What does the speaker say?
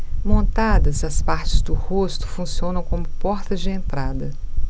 montadas as partes do rosto funcionam como portas de entrada